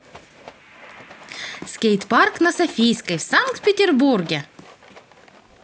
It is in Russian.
скейт парк на софийской в санкт петербурге